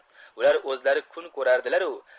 bular o'zlari kun ko'rardilar u